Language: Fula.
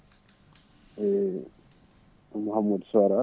e MahMoudou Sora